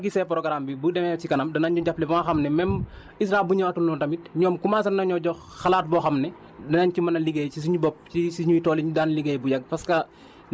danañ ni ma gisee programme bi bu demee ci kanam danañ ñu jàppale ba nga xam ne même ISRA bu ñëwaatul woon tamit ñoom commencé :;fra nañoo jox xalaat boo xam ne dinañ ci mën a liggéey ci suñu bopp ci suñuy tool yiñ daan liggéey bu yàgg